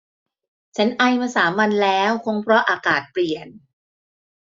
ฉันไอมาสามวันแล้วคงเพราะอากาศเปลี่ยน